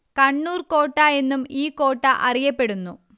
കണ്ണൂര് കോട്ട എന്നും ഈ കോട്ട അറിയപ്പെടുന്നു